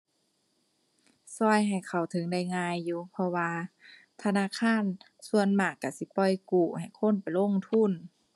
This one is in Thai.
ช่วยให้เข้าถึงได้ง่ายอยู่ เพราะว่าธนาคารส่วนมากช่วยสิปล่อยกู้ให้คนไปลงทุน